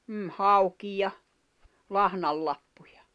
mm hauki ja lahnanlappuja